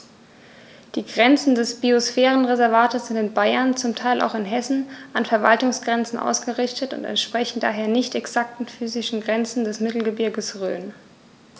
Die Grenzen des Biosphärenreservates sind in Bayern, zum Teil auch in Hessen, an Verwaltungsgrenzen ausgerichtet und entsprechen daher nicht exakten physischen Grenzen des Mittelgebirges Rhön.